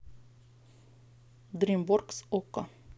дримворкс окко